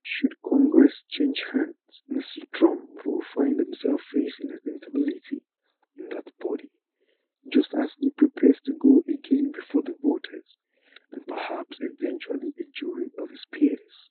Should Congress change hands, Mr. Trump will find himself facing accountability in that body, just as he prepares to go again before the voters, and perhaps eventually a jury of his peers.